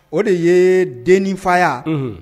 O de ye den ni fa ya Unhun